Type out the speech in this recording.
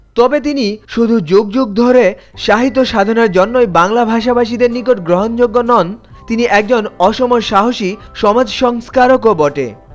তিনি শুধু যুগ যুগ ধরে সাহিত্য সাধনার জন্যই বাংলা ভাষাভাষীদের নিকট গ্রহণযোগ্য নন তিনি একজন অসমসাহসী সমাজ সংস্কারক ও বটে